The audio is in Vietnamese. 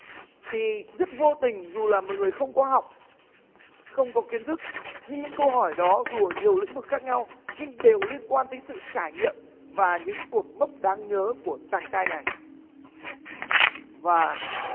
thì rất vô tình dù là một người không có học không có kiến thức nhưng những câu hỏi đó dù ở nhiều lĩnh vực khác nhau nhưng đều liên quan tới sự trải nghiệm và những cột mốc đáng nhớ của chàng trai này và